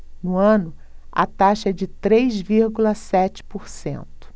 no ano a taxa é de três vírgula sete por cento